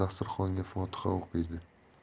dasturxonga fotiha o'qiydi